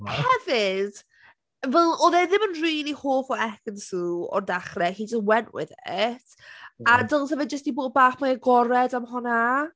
Hefyd, fel, oedd e ddim yn rili hoff o Ekin-Su o'r dechrau. He just went with it. A dylse fe jyst 'di bod bach mwy agored am hwnna.